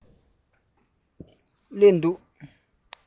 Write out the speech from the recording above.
སླེབས བཞག